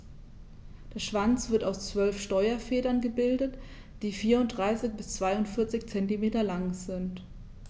Der Schwanz wird aus 12 Steuerfedern gebildet, die 34 bis 42 cm lang sind.